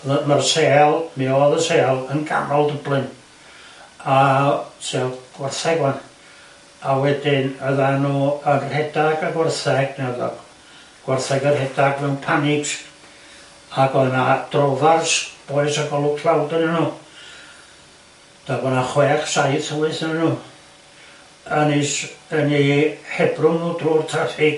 Wel- ma'r sêl mi o'dd y sêl yn ganol Dublin a to- gwarthag ŵan a wedyn o'ddan n'w yn rhedag y gwartheg neu y gwartheg y rhedag mewn panics ac o'dd 'na drofars bois o golwg tlawd arnyn n'w... duda bo 'na chwech saith wyth onyn n'w yn eu s- yn eu hebrwng n'w drw'r traffig